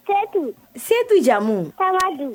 Setu, Setu jamumu? tambadu !